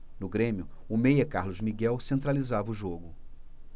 no grêmio o meia carlos miguel centralizava o jogo